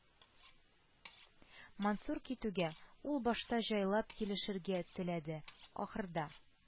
Мансур китүгә, ул башта җайлап килешергә теләде, ахырда,